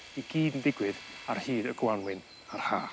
i gyd yn digwydd ar hyd y Gwanwyn a'r Ha.